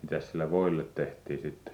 mitäs sille voille tehtiin sitten